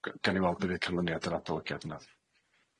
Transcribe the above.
Gy- gawn ni weld hefyd canlyniad yr adolygiad yna.